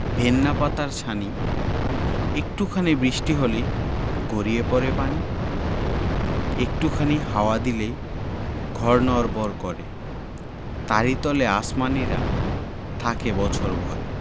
ভেন্না পাতার ছানি একটু খানি বৃষ্টি হলেই গড়িয়ে পড়ে পানি একটু খানি হাওয়া দিলেই ঘর নড়বড় করে তারি তলে আসমানীরা থাকে বছর ভরে